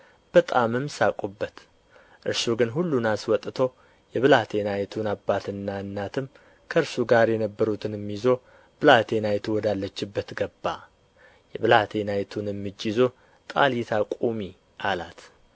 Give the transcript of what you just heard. በጣምም ሳቁበት እርሱ ግን ሁሉን አስወጥቶ የብላቴናይቱን አባትና እናትም ከእርሱ ጋር የነበሩትንም ይዞ ብላቴናይቱ ወዳለችበት ገባ የብላቴናይቱንም እጅ ይዞ ጣሊታ ቁሚ አላት